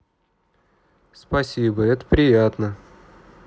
спасибо это приятно